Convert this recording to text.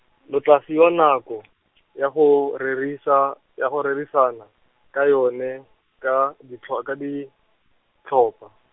lo tla fiwa nako , ya go rerisa, ya go rerisana, ka yone, ka ditlho-, ka ditlhopha.